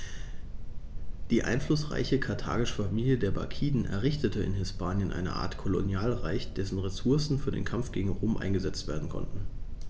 Die einflussreiche karthagische Familie der Barkiden errichtete in Hispanien eine Art Kolonialreich, dessen Ressourcen für den Kampf gegen Rom eingesetzt werden konnten.